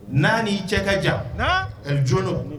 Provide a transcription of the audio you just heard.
N'a n'i cɛ ka jan naam ɛ jolo